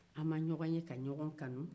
an ma ɲɔgɔn ye ka ɲɔgɔn kanu